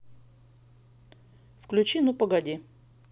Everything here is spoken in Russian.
включи ну погоди